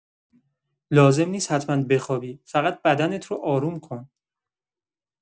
لازم نیست حتما بخوابی، فقط بدنت رو آروم کن.